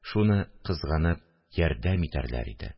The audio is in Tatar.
Шуны кызганып ярдәм итәрләр иде